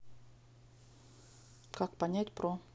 как понять про